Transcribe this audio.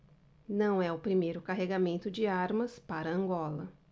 não é o primeiro carregamento de armas para angola